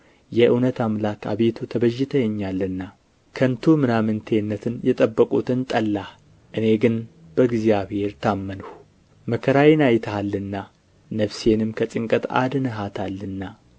የእውነት አምላክ አቤቱ ተቤዥተኸኛል ከንቱ ምናምንቴነትን የጠበቁትን ጠላህ እኔ ግን በእግዚአብሔር ታመንሁ መከራዬን አይተሃልና ነፍሴንም ከጭንቀት አድነሃታልና